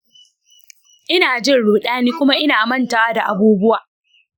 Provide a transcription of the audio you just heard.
ina jin rudani kuma ina mantawa da abubuwa.